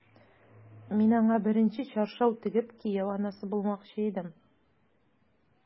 Мин аңа беренче чаршау тегеп, кияү анасы булмакчы идем...